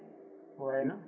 ko wayno